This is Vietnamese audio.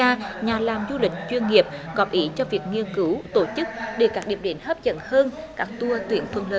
gia nhà làm du lịch chuyên nghiệp góp ý cho việc nghiên cứu tổ chức để các điểm đến hấp dẫn hơn các tour tuyến thuận lợi